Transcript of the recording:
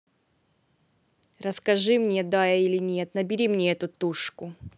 расскажи мне да или нет набери мне эту тушку